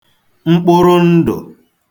mkpụrụndụ̀